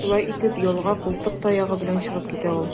Шулай итеп, ялга култык таягы белән чыгып китә ул.